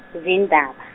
zindaba.